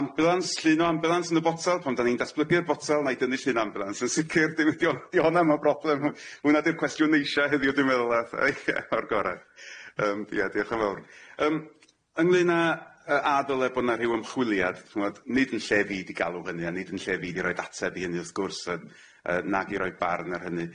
Ambulans llun o ambulans yn y botel pan dan ni'n datblygu'r botel na'i dynnu llun o ambulans yn sicir dim ydi o di' honna'm yn broblem, hwnna di'r cwestiwn neisia heddiw dwi'n meddwl atha ie o'r gorau yym ie diolch yn fawr. Yym ynglŷn â yy a ddyle bo' na rhyw ymchwiliad t'mod nid yn llefydd i galw hynny a nid yn llefydd i roid ateb i hynny wrth gwrs yy yy nag i roi barn ar hynny.